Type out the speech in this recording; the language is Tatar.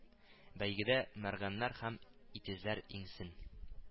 Бәйгедә мәргәннәр һәм итезләр иңсен